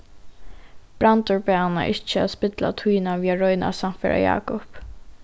brandur bað hana ikki at spilla tíðina við at royna at sannføra jákup